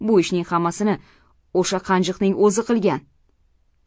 bu ishning hammasini o'sha qanjiqning o'zi qilgan